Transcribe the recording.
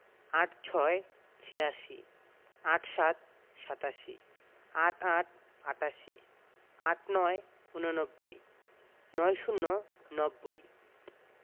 ৮৬ – ছিয়াশি ৮৭ – সাতাশি ৮৮ – আটাশি ৮৯ – ঊননব্বই ৯০ - নব্বই